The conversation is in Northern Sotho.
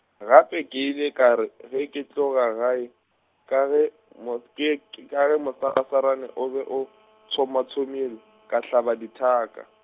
gape ke ile ka re, ge ke tloga gae, ka ge mo ke k-, ka ge mosarasarana o be o, tshomatshomile ka hlaba dithaka.